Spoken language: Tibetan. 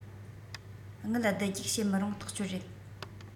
དངུལ བསྡུ རྒྱུག བྱེད མི རུང ཐག ཆོད རེད